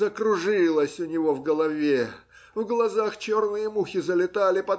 Закружилось у него в голове, в глазах черные мухи залетали